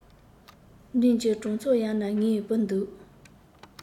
མདུན གྱི གྲོང ཚོ ཡ ན ངའི བུ འདུག